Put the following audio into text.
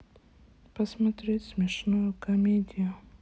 посмотреть смешную комедию